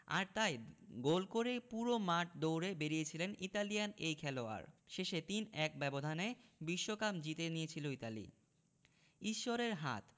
আর তাই গোল করেই পুরো মাঠ দৌড়ে বেড়িয়েছিলেন ইতালিয়ান এই খেলোয়াড় শেষে ৩ ১ ব্যবধানে বিশ্বকাপ জিতে নিয়েছিল ইতালি ঈশ্বরের হাত